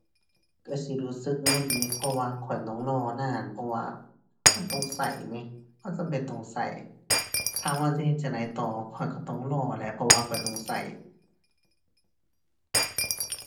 ก็สิรู้สึกหงุดหงิดเพราะว่าข้อยต้องรอนาน เพราะว่ามันต้องก็ไง ก็จำเป็นต้องก็ ถามว่าจิเฮ็ดจั่งใดต่อ ข้อยก็ต้องรอแหละ เพราะว่าข้อยต้องก็